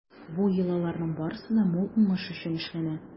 Бу йолаларның барысы да мул уңыш өчен эшләнә.